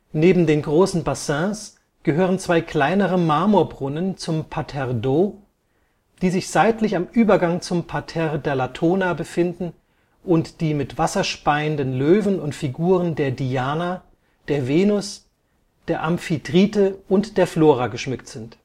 Neben den großen Bassins gehören zwei kleinere Marmorbrunnen zum Parterre d’ eau, die sich seitlich am Übergang zum Parterre der Latona befinden und die mit wasserspeienden Löwen und Figuren der Diana, der Venus, der Amphitrite und der Flora geschmückt sind